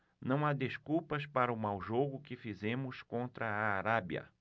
não há desculpas para o mau jogo que fizemos contra a arábia